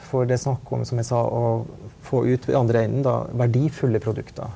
for det er snakk om som jeg sa å få ut ved andre enden da verdifulle produkter.